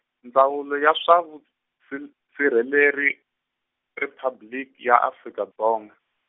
Ndzawulo ya swa vusir- -sirheleri Riphabliki ya Afrika Dzonga.